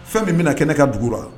Fɛn min bɛna na kɛnɛ ne ka dugu la